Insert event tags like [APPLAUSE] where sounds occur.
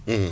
[HESITATION] [HESITATION]